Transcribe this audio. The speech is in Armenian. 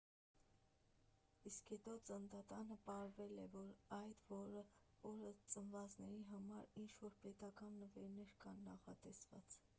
Իսկ հետո ծննդատանը պարվել էր, որ այդ օրը ծնվածների համար ինչ֊որ պետական նվերներ կան նախատեսված։